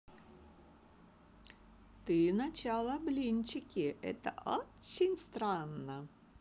ты начало блинчики это очень странно